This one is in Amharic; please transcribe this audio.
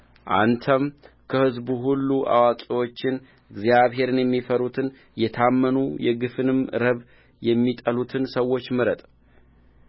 አንተም ከሕዝቡ ሁሉ አዋቂዎችን እግዚአብሔርን የሚፈሩትን የታመኑ የግፍንም ረብ የሚጠሉትን ሰዎች ምረጥ